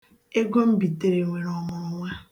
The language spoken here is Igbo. Ego m bitere nwere ọmụrụnwa